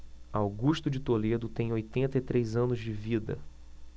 augusto de toledo tem oitenta e três anos de vida